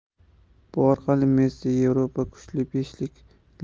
bu orqali messi yevropa kuchli beshlik